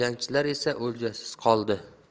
jangchilar esa o'ljasiz qoldi